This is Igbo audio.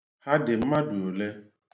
Ha dị mmadụ ole?